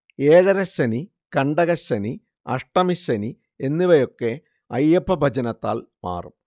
ഏഴരശ്ശനി, കണ്ടകശ്ശനി, അഷ്ടമിശനി എന്നിവയൊക്കെ അയ്യപ്പഭജനത്താൽ മാറും